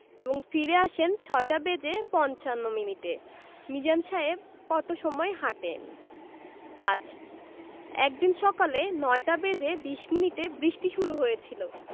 এবং ফিরে আসেন ৬টা বেজে পঞ্চান্ন মিনিটে মিজান সাহেব কত সময় হাঁটেন ৫ একদিন সকালে ৯টা বেজে ২০ মিনিটে বৃষ্টি শুরু হয়েছিল